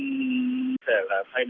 thể